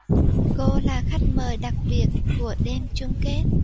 cô là khách mời đặc biệt của đêm chung kết